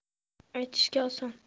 aytishga oson